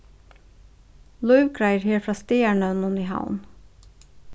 lív greiðir her frá staðarnøvnum í havn